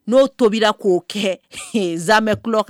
No tobi la ko kɛ zamɛ kulɔ kan